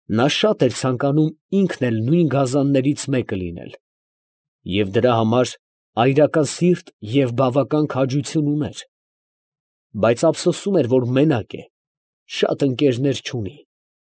Նա շատ էր ցանկանում ինքն էլ նույն գազաններից մեկը լինել, և դրա համար այրական սիրտ և բավական քաջություն ուներ. բայց ափսոսում էր, որ մենակ է, շատ ընկերներ չունի։